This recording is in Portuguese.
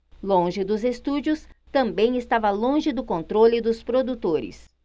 longe dos estúdios também estava longe do controle dos produtores